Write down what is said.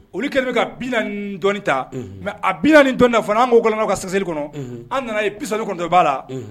Olu kɛlen bɛ ka 40 ni dɔɔnin . mais a 40 ni dɔɔnin fana an nana ye sɛgɛsɛgɛli la39 ba la